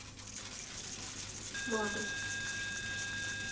магаш